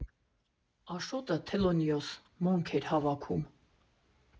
Աշոտը Թելոնիոս Մոնք էր հավաքում։